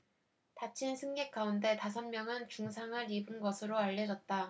다친 승객 가운데 다섯 명은 중상을 입은 것으로 알려졌다